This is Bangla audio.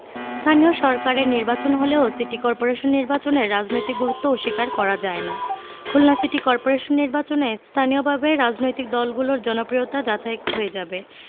স্থানীয় সরকারের নির্বাচন হলেও সিটি করপোরেশন নির্বাচনের রাজনৈতিক গুরুত্ব অস্বীকার করা যায় না খুলনা সিটি করপোরেশন নির্বাচনে স্থানীয়ভাবে রাজনৈতিক দলগুলোর জনপ্রিয়তা যাচাই হয়ে যাবে